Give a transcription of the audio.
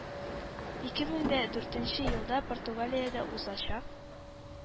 Ике мең дә дүртенче елда Португалиядә узачак